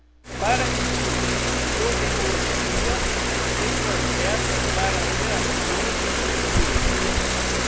para discutir sobre ecologia e projetos para gerações futuras